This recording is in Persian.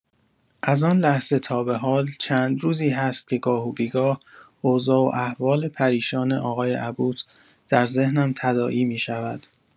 از آن لحظه تا به حال چند روزی هست که گاه و بی‌گاه اوضاع و احوال پریشان آقای عبوس در ذهنم تداعی می‌شود.